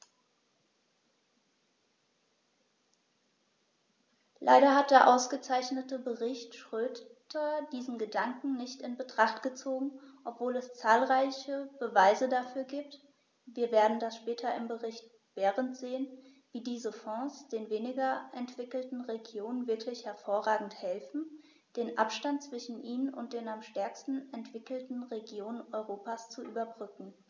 Leider hat der ausgezeichnete Bericht Schroedter diesen Gedanken nicht in Betracht gezogen, obwohl es zahlreiche Beweise dafür gibt - wir werden das später im Bericht Berend sehen -, wie diese Fonds den weniger entwickelten Regionen wirklich hervorragend helfen, den Abstand zwischen ihnen und den am stärksten entwickelten Regionen Europas zu überbrücken.